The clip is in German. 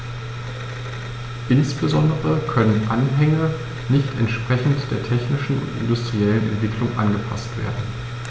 Insbesondere können Anhänge nicht entsprechend der technischen und industriellen Entwicklung angepaßt werden.